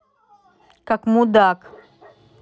как мудак